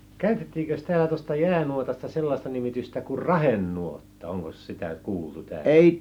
käytettiinkös täällä tuosta jäänuotasta sellaista nimitystä kuin rahenuotta onkos sitä kuultu täällä